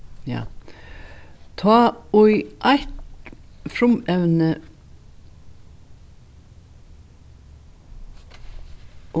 ja tá ið eitt frumevni